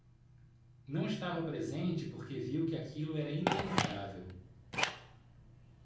não estava presente porque viu que aquilo era inevitável